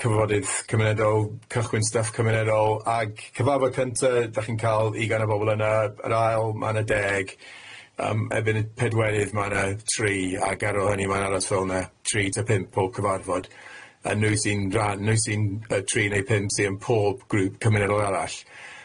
cyfarfodydd cymunedol, cychwyn stwff cymunedol ag cyfarfod cynta 'dach chi'n ca'l ugain o bobol yna, yr ail ma' 'na deg yym erbyn y pedwerydd ma' 'na tri ag ar ôl hynny ma'n aros fel yna tri i tua pump pob cyfarfod a n'w sy'n ran n'w sy'n yy tri neu pump sy' yn pob grŵp cymunedol arall.